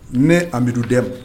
Nebi den ma